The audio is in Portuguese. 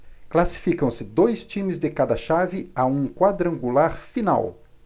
classificam-se dois times de cada chave a um quadrangular final